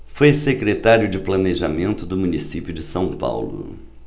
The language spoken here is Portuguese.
foi secretário de planejamento do município de são paulo